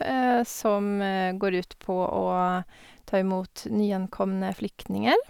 Som går ut på å ta imot nyankomne flyktninger.